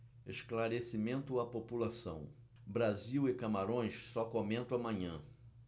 esclarecimento à população brasil e camarões só comento amanhã